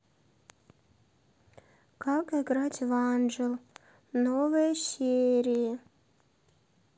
как играть в анджел новые серии